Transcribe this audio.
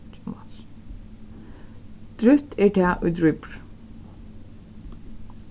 drúgt er tað ið drýpur